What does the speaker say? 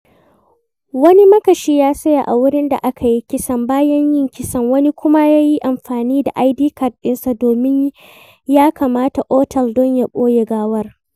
Wani makashi ya tsaya a wurin da aka yi kisan bayan yin kisan; wani kuma ya yi amfani da ID card ɗinsa domin ya kamata otal don ya ɓoye gawar.